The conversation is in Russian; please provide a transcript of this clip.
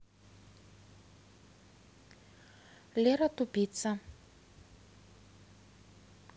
лера тупица